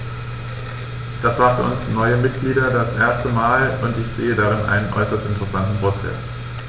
Das war für uns neue Mitglieder das erste Mal, und ich sehe darin einen äußerst interessanten Prozess.